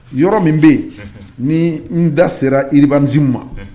Yɔrɔ min bɛ yen, unhun, ni n da sera urbanisme ma